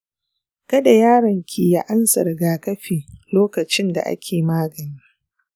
kada yaron ki ya ansa rigakafi lokacin da ake magani.